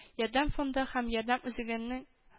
“ярдәм” фонды һәм “ярдәм” үзегенең